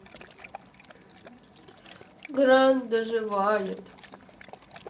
grand доживает